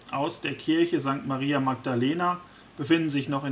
Aus der Kirche St. Maria Magdalena befinden sich noch